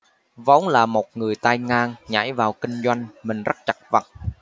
vốn là một người tay ngang nhảy vào kinh doanh mình rất chật vật